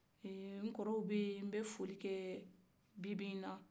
eee n kɔrɔw bɛ yen n bɛ folikɛ bi-bi n na